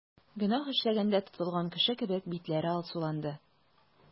Гөнаһ эшләгәндә тотылган кеше кебек, битләре алсуланды.